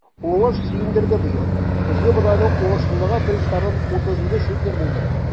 Уңыш сөендерде быел: көзге бодайның уңышлылыгы бер гектардан 37 центнер булды.